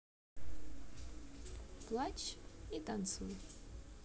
плачь и танцуй